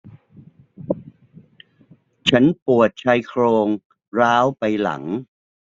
ฉันปวดชายโครงร้าวไปหลัง